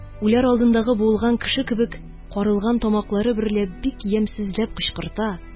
Үләр алдындагы буылган кеше кебек карылган тамаклары берлә бик ямьсезләп кычкырта,